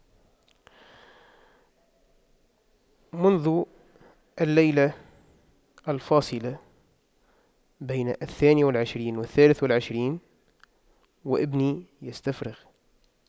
منذ الليلة الفاصلة بين الثاني والعشرين والثالث العشرين وابني يستفرغ